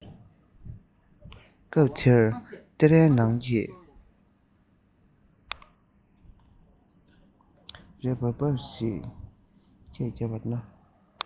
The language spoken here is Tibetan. སྐབས དེར ལྷས རའི ནང གི